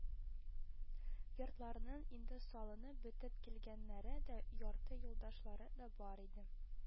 Йортларның инде салынып бетеп килгәннәре дә, ярты юлдашлары да бар иде